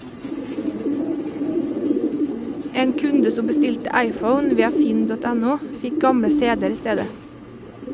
En kunde som bestilte iphone via finn.no fikk gamle cd-er i stedet.